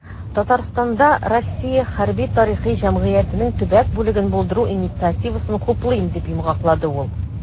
"татарстанда "россия хәрби-тарихи җәмгыяте"нең төбәк бүлеген булдыру инициативасын хуплыйм", - дип йомгаклады ул.